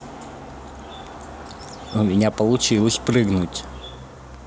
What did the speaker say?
у меня получилось прыгнуть